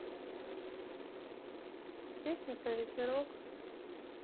песня про ветерок